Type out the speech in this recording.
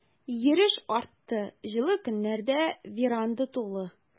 Йөреш артты, җылы көннәрдә веранда тулы.